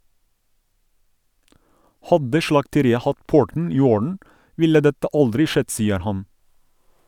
- Hadde slakteriet hatt porten i orden, ville dette aldri skjedd, sier han.